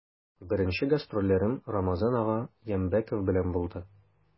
Беренче гастрольләрем Рамазан ага Янбәков белән булды.